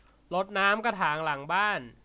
รดน้ำกระถางหลังบ้าน